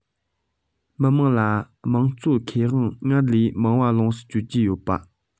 མི དམངས ལ དམངས གཙོའི ཁེ དབང སྔར ལས མང བ ལོངས སུ སྤྱོད རྒྱུ ཡོད པ